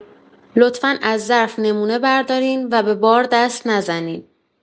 لطفا از ظرف نمونه بردارین و به بار دست نزنین.